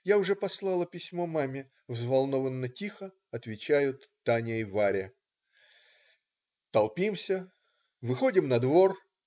Я уже послала письмо маме",- взволнованно-тихо отвечают Таня и Варя. Толпимся, выходим на двор.